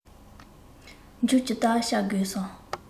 མཇུག ཇི ལྟར བསྐྱལ དགོས སམ